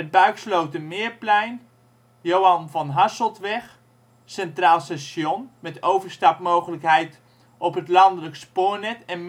Buikslotermeerplein Johan van Hasseltweg Centraal Station (overstapmogelijkheid op het landelijke spoornet, en